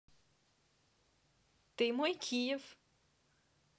ты мой киев